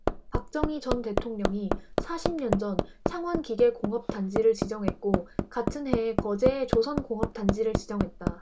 박정희 전 대통령이 사십 년전 창원기계공업단지를 지정했고 같은해에 거제에 조선공업단지를 지정했다